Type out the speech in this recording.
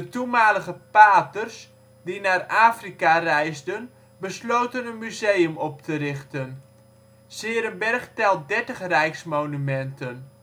toenmalige paters, die naar Afrika reisden, besloten een museum op te richten. ' s-Heerenberg telt 30 rijksmonumenten